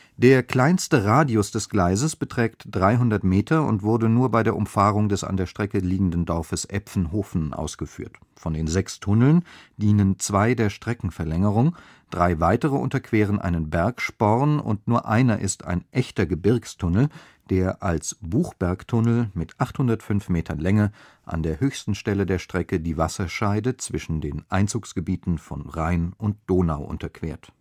Der kleinste Radius des Gleises beträgt 300 Meter und wurde nur bei der Umfahrung des an der Strecke liegenden Dorfes Epfenhofen ausgeführt. Von den sechs Tunneln dienen zwei der Streckenverlängerung, drei weitere unterqueren einen Bergsporn und nur einer ist ein echter Gebirgstunnel, der als Buchbergtunnel mit 805 Metern Länge an der höchsten Stelle der Strecke die Wasserscheide zwischen den Einzugsgebieten von Rhein und Donau unterquert